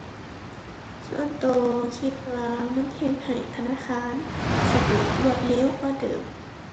ส่วนตัวคิดว่ามันเฮ็ดให้ธนาคารสะดวกรวดเร็วกว่าเดิม